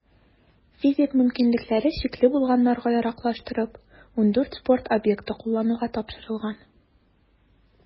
Физик мөмкинлекләре чикле булганнарга яраклаштырып, 14 спорт объекты куллануга тапшырылган.